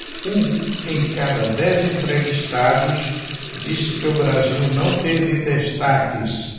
um em cada dez entrevistados disse que o brasil não teve destaques